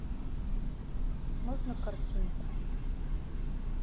можно картинку